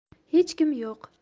xech kim yo'q